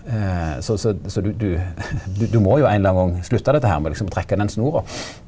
så så så du du du du må jo ein eller annan gong slutta dette her må liksom trekka i den snora.